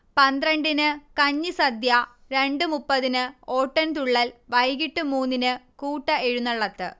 പന്ത്രണ്ടിന് കഞ്ഞിസദ്യ, രണ്ട് മുപ്പതിന് ഓട്ടൻതുള്ളൽ, വൈകീട്ട് മൂന്നിന് കൂട്ടഎഴുന്നള്ളത്ത്